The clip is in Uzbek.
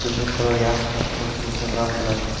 yaxshi xotin o'lsa mehnat g'am qolar